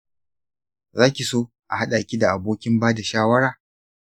zaki so a haɗa ki da abokin bada shawara?